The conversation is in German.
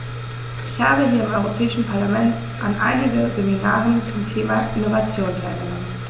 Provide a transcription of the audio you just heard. Ich habe hier im Europäischen Parlament an einigen Seminaren zum Thema "Innovation" teilgenommen.